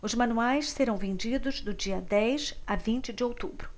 os manuais serão vendidos do dia dez a vinte de outubro